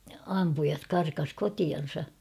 ampujat karkasi kotiansa